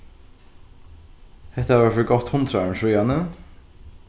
hetta var fyri gott hundrað árum síðani